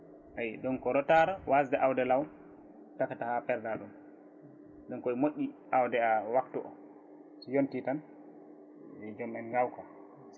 ayi donc retard wasde awde law tahata ha perda ɗum donc ne moƴƴi awde wattu o so yonti tan yo jomumen gaaw quoi